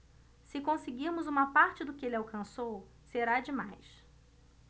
se conseguirmos uma parte do que ele alcançou será demais